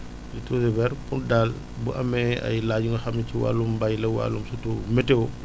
* comme daal bu amee ay laaj yu nga xam ne ci wàllum béy la wàllum surtout météo